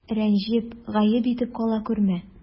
Рәнҗеп, гаеп итеп кала күрмә.